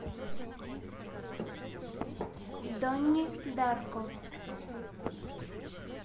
донни дарко